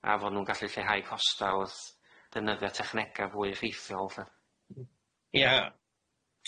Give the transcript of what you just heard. a fo' nw'n gallu lleihau costa wrth defnyddia technega fwy effeithiol ella.